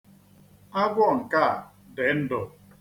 Agwọ nke a dị ndụ.